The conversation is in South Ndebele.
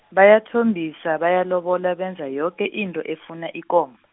bayathombisa bayalobola benza yoke into efuna ikomo.